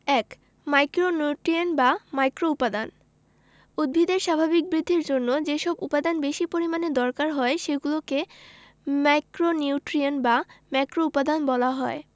১ macronutrient বা ম্যাক্রোউপাদান উদ্ভিদের স্বাভাবিক বৃদ্ধির জন্য যেসব উপাদান বেশি পরিমাণে দরকার হয় সেগুলোকে ম্যাক্রোনিউট্রিয়েন্ট বা ম্যাক্রোউপাদান বলা হয়